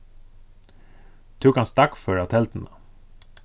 tú kanst dagføra telduna